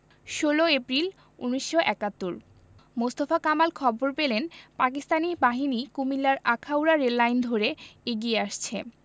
১৬ April ১৯৭১ Mostafa Kamal খবর পেলেন পাকিস্তানি বাহিনী কুমিল্লার আখাউড়া রেললাইন ধরে এগিয়ে আসছে